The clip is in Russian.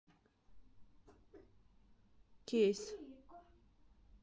кейс